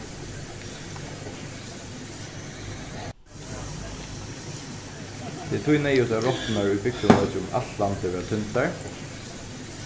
tað er tí neyðugt at rotturnar í bygdum øki um alt landið verða týndar